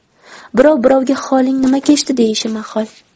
birov birovga holing nima kechdi deyishi mahol